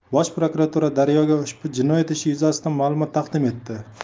bosh prokuratura daryo ga ushbu jinoyat ish yuzasidan ma'lumot taqdim etdi